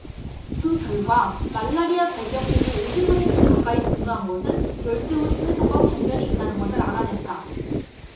그 결과 말라리아 발병률이 오십 퍼센트 가까이 증가한 것은 열대 우림 훼손과 관련이 있다는 것을 알아냈다